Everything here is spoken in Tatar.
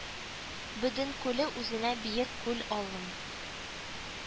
Боден күле үзенә Биек күл алым